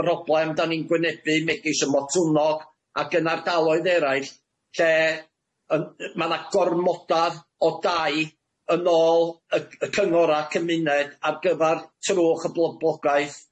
broblem dan ni'n gwynebu megis y Motwnog ac yn ardaloedd eraill lle yn yy ma' na gormoda o dai yn ôl y y cyngor a cymuned ar gyfar trwch y bl-blogaeth.